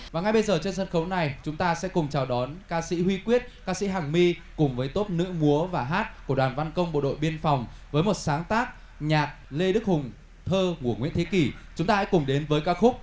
và ngay bây giờ trên sân khấu này chúng ta sẽ cùng chào đón ca sĩ huy quyết ca sĩ hằng my cùng với tốp nữ múa và hát của đoàn văn công bộ đội biên phòng với một sáng tác nhạc lê đức hùng thơ của nguyễn thế kỷ chúng ta hãy cùng đến với ca khúc